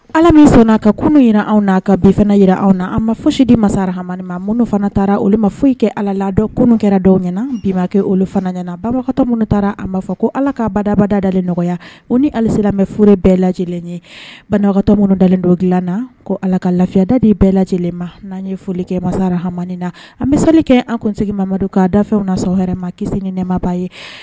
Ala min sɔnna a kaurun ɲɛna an n na a ka bi fana jira an na a ma foyi sidi masara hamani ma minnu fana taara olu ma foyi kɛ alaladɔ kunun kɛra dɔw ɲɛna na bibakɛ olu fana ɲɛnaana batɔ minnu taara a ma fɔ ko ala ka badabada nɔgɔya u ni halisamɛ f bɛɛ lajɛlen ye balimatɔ minnu dalen dɔ dilan na ko ala ka lafiyada de bɛɛ lajɛlen ma n'an ye foli kɛ masara hamamani na an bɛ selili kɛ an kunse mamadu ka dafew na sɔn hɛrɛ ma ki ni nɛmaba ye